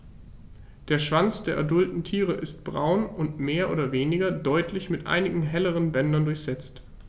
Der Schwanz der adulten Tiere ist braun und mehr oder weniger deutlich mit einigen helleren Bändern durchsetzt.